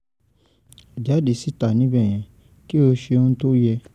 Jáde síta níbẹ̀yẹn kí o ṣe ohun tí ó yẹ